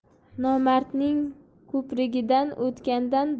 nomardning ko'prigidan o'tgandan